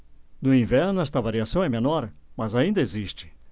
no inverno esta variação é menor mas ainda existe